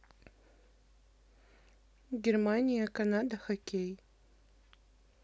германия канада хоккей